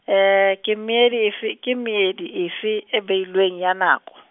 ke meedi efe, ke meedi efe e beilweng ya nako?